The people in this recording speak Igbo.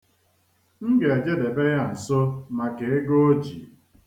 M ga-ejedebe ya nso maka ego o ji.